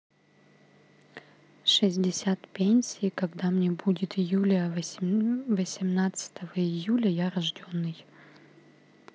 шестьдесят пенсии когда мне будет юлия восемнадцатого июля я рожденный